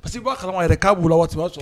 Pa que bɔ a kalama yɛrɛ k'a bolo waati b' sɔrɔ